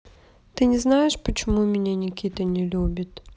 ты не знаешь почему меня никита не любит